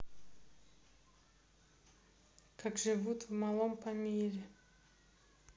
как живут в малом памире